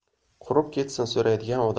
qurib ketsin so'raydigan